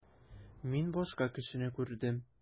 Мин башка кешене күрдем.